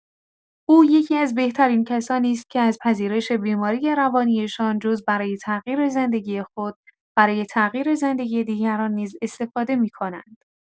او یکی‌از بهترین کسانی است که از پذیرش بیماری روانی‌شان، جز برای تغییر زندگی خود، برای تغییر زندگی دیگران نیز استفاده می‌کنند.